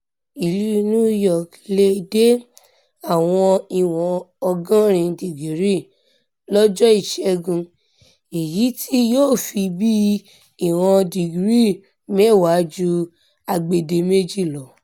Ìlú New York leè dé àwọ̀n ìwọ̀n ọgọ́rin dìgírì lọ́jọ́ Ìṣẹ́gun, èyítí yóò fi bíi ìwọ̀n dìgírì mẹ́wàá ju agbedeméjì lọ.